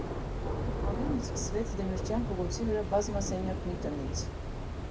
Ամեն ինչ սկսվեց Դեմիրճյան փողոցի վրա բազմասենյակ մի տնից։